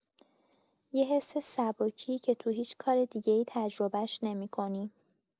یه حس سبکی که تو هیچ کار دیگه‌ای تجربه‌اش نمی‌کنی.